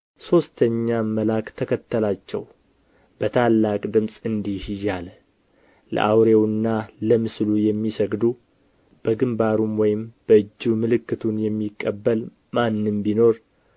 ሦስተኛም መልአክ ተከተላቸው በታላቅ ድምፅ እንዲህ እያለ ለአውሬውና ለምስሉ የሚሰግድ በግምባሩም ወይም በእጁ ምልክቱን የሚቀበል ማንም ቢኖር